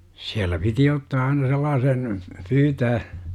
siellä piti ottaa aina sellaisen pyytää